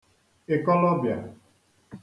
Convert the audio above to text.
ị̀kọlọbịà